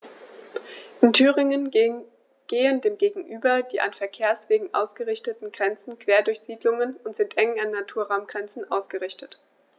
In Thüringen gehen dem gegenüber die an Verkehrswegen ausgerichteten Grenzen quer durch Siedlungen und sind eng an Naturraumgrenzen ausgerichtet.